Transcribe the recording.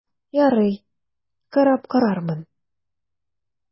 Ярый, карап карармын...